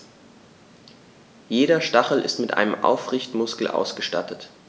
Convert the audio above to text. Jeder Stachel ist mit einem Aufrichtemuskel ausgestattet.